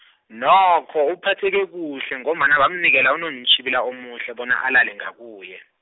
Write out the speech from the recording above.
nokho uphatheke kuhle ngombana bamnikela unontjhibila omuhle bona alale ngakuye.